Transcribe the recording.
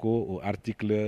Ko o riti kelen